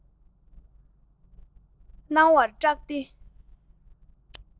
གནང བར སྐྲག སྟེ